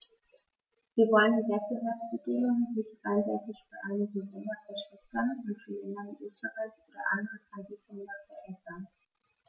Wir wollen die Wettbewerbsbedingungen nicht einseitig für einige Länder verschlechtern und für Länder wie Österreich oder andere Transitländer verbessern.